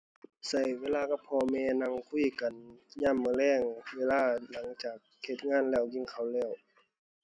ใช้เวลากับพ่อแม่นั่งคุยกันยามมื้อแลง เวลาหลังจากเฮ็ดงานแล้วกินข้าวแล้ว